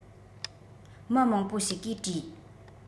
མི མང པོ ཞིག གིས དྲིས